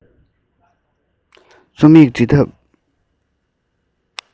རྩོམ ཡིག འབྲི ཐབས